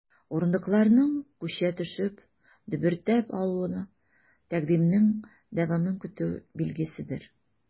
Урындыкларның, күчә төшеп, дөбердәп алуы— тәкъдимнең дәвамын көтү билгеседер.